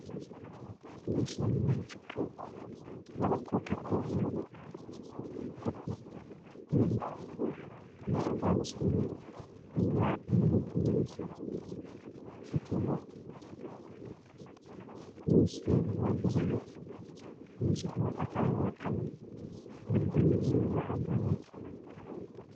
Meeshaan waa jiko labo kuukar ayaa yaalo mid waa madow iyo cadaan isku jiro mid waa madow kaligiisa miiskeedu waa dahabi meesha wax lagu dhaqayo waa qalin